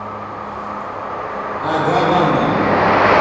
ага ванда